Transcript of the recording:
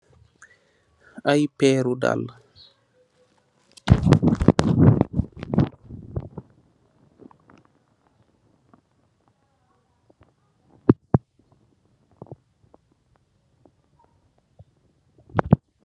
Ay pirri daala.